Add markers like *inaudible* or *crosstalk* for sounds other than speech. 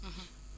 *hesitation* *hesitation*